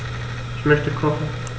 Ich möchte kochen.